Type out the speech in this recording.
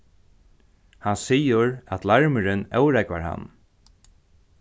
hann sigur at larmurin órógvar hann